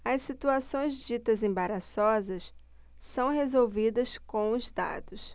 as situações ditas embaraçosas são resolvidas com os dados